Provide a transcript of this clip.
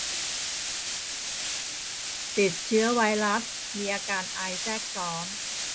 ติดเชื้อไวรัสมีอาการไอแทรกซ้อน